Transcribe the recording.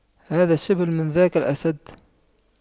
هذا الشبل من ذاك الأسد